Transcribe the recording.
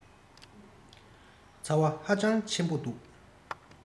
ཚ བ ཧ ཅང ཆེན པོ འདུག